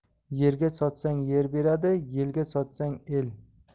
yerga sochsang yer beradi yelga sochsang el